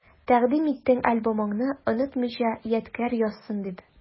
Тәкъдим иттең альбомыңны, онытмыйча ядкарь язсын дип.